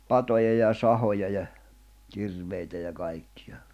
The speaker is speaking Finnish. patoja ja sahoja ja kirveitä ja kaikkea